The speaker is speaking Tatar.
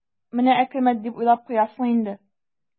"менә әкәмәт" дип уйлап куясың инде.